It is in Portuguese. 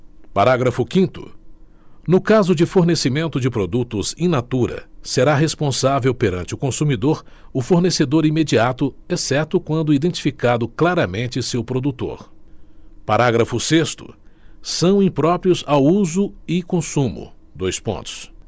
parágrafo quinto no caso de fornecimento de produtos in natura será responsável perante o consumidor o fornecedor imediato exceto quando identificado claramente seu produtor parágrafo sexto são impróprios ao uso e consumo dois pontos